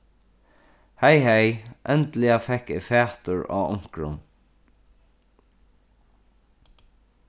hey hey endiliga fekk eg fatur á onkrum